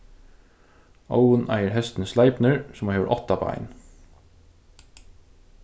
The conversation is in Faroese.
óðin eigur hestin sleipnir sum hevur átta bein